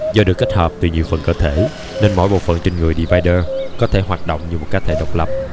do được kết hợp từ nhiều phần cơ thể nên mỗi bộ phận trên người divider có thể hoạt động như một cá thể độc lập